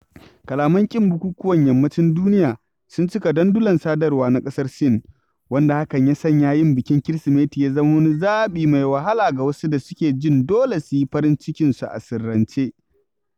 Kalaman ƙin bukukuwan Yammacin duniya sun cika dandulan sadarwa na ƙasar Sin, wanda hakan ya sanya yin bikin Kirsimeti ya zama wani zaɓi mai wahala ga wasu da suke jin dole su yi farin cikinsu a sirrance.